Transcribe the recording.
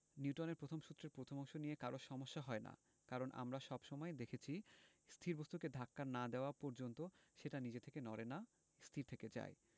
নিউটনের প্রথম সূত্রের প্রথম অংশ নিয়ে কারো সমস্যা হয় না কারণ আমরা সব সময়ই দেখেছি স্থির বস্তুকে ধাক্কা না দেওয়া পর্যন্ত সেটা নিজে থেকে নড়ে না স্থির থেকে যায়